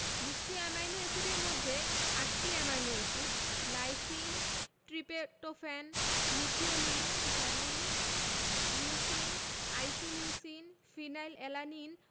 ২০টি অ্যামাইনো এসিডের মধ্যে ৮টি amino acid lysine tryptophan methionine valine leucine isoleucine phenyl alanine